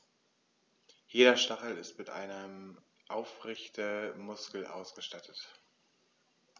Jeder Stachel ist mit einem Aufrichtemuskel ausgestattet.